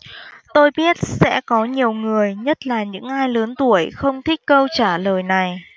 tôi biết sẽ có nhiều người nhất là những ai lớn tuổi không thích câu trả lời này